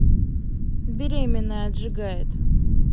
беременная отжигает